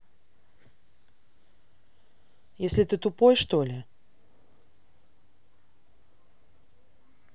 если ты тупой что ли